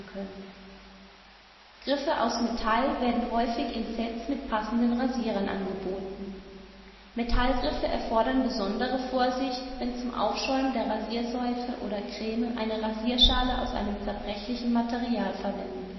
können. Griffe aus Metall werden häufig in Sets mit passenden Rasierern angeboten. Metallgriffe erfordern besondere Vorsicht, wenn zum Aufschäumen der Rasierseife oder - creme eine Rasierschale aus einem zerbrechlichen Material verwendet